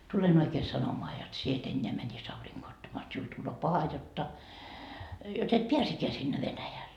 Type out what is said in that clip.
tulen oikein sanomaan jotta sinä et enää menisi aurinkoa ottamaan jotta sinulle tulee paha jotta jotta et pääsekään sinne Venäjälle